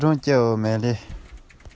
རྐང པ ལྕགས ཐབ འགྲམ དུ འདུག